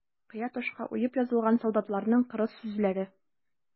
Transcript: Кыя ташка уеп язылган солдатларның кырыс сүзләре.